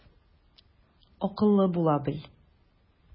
Акыллы була бел.